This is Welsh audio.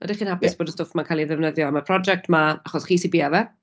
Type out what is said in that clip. Odi chi'n hapus bod y stwff 'ma'n cal i ddefnyddio am y prosiect 'ma achos chi sy bia fe.